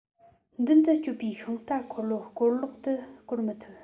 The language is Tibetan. མདུན དུ སྐྱོད པའི ཤིང རྟ འཁོར ལོ སྐོར ལོག ཏུ སྐོར མི ཐུབ